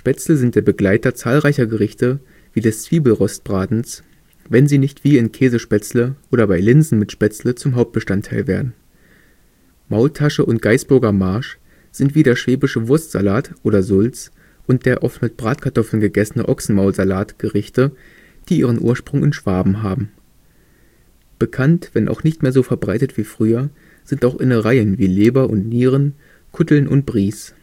Spätzle sind der Begleiter zahlreicher Gerichte wie des Zwiebelrostbratens, wenn sie nicht wie in Kässpätzle oder bei Linsen mit Spätzle zum Hauptbestandteil werden. Maultaschen und Gaisburger Marsch sind wie der Schwäbische Wurstsalat und „ Sulz “und der oft mit Bratkartoffeln gegessene Ochsenmaulsalat Gerichte, die ihren Ursprung in Schwaben haben. Bekannt, wenn auch nicht mehr so verbreitet wie früher, sind auch Innereien wie Leber und Nieren, Kutteln und Bries